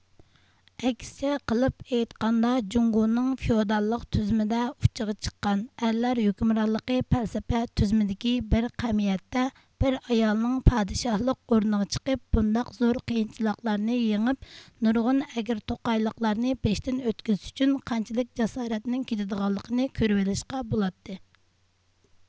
ئەكسىچە قىلىپ ئېيتقاندا جۇڭگۇنىڭ فىئوداللىق تۈزۈمىدە ئۇچچىغا چىققان ئەرلەر ھۆكۈمرانلىقى پەلسەپە تۈزۈمدىكى بىر قەمىيەتتە بىر ئايالنىڭ پادىشالىق ئورنىغا چىقىپ بۇنداق زور قىينچىلىقلارنى يېڭىپ نۇرغۇن ئەگىر توقايلىقلارنى بېشىدىن ئۆتكۈزۈشى ئۈچۈن قانچىلىك جاسارەتنىڭ كېتىدىغانلىقىنى كۆرۈۋېلىشقا بولاتتى